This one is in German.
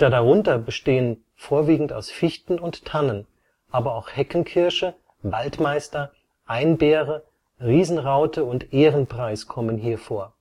darunter bestehen vorwiegend aus Fichten und Tannen, aber auch Heckenkirsche, Waldmeister, Einbeere, Wiesenraute und Ehrenpreis kommen hier vor